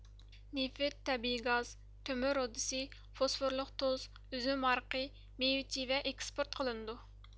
نېفىت تەبىئىي گاز تۆمۈر رۇدىسى فوسفورلۇق تۇز ئۈزۈم ھارىقى مېۋە چىۋە ئېكسپورت قىلىنىدۇ